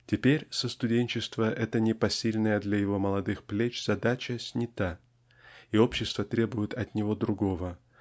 Теперь со студенчества эта непосильная для его молодых плеч задача снята и общество требует от него другого